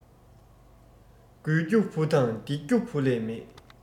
དགོས རྒྱུ བུ དང འདེགས རྒྱུ བུ ལས མེད